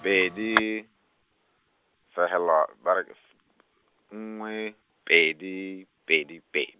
pedi, fehelwa- ba re ke f- , nngwe, pedi, pedi ped-.